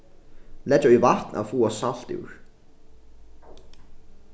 leggja í vatn at fáa salt úr